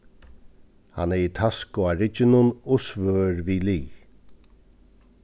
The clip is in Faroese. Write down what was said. hann hevði tasku á rygginum og svørð við lið